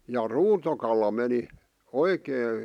ja ruutokala meni oikein